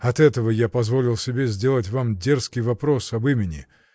— От этого я позволил себе сделать вам дерзкий вопрос об имени.